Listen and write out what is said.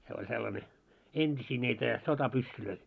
se oli sellainen entisiä niitä sotapyssyjä